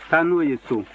taa n'o ye so